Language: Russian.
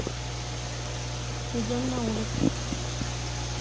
идем на улицу